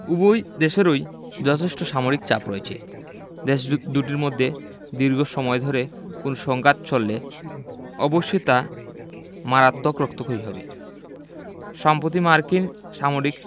উভয় দেশেই যথেষ্ট সামরিক চাপ রয়েছে দেশ দুটির মধ্যে দীর্ঘ সময় ধরে কোনো সংঘাত চললে অবশ্যই তা মারাত্মক রক্তক্ষয়ী হবে সম্প্রতি মার্কিন সাময়িকী